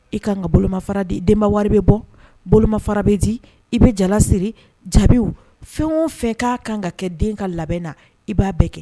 I ka kan n ka bolofara di denba wari bɛ bɔ bolofara bɛ di i bɛ jalase jaabiw fɛn o fɛ k'a kan ka kɛ den ka labɛn na i b'a bɛɛ kɛ